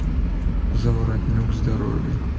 заворотнюк здоровье